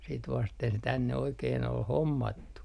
sitä vasten se tänne oikein oli hommattu